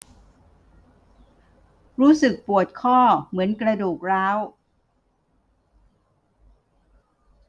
รู้สึกปวดข้อเหมือนกระดูกร้าว